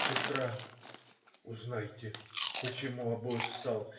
"Сестра, узнайте, почему обоз стал?